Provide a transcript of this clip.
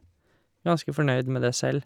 Ganske fornøyd med det selv.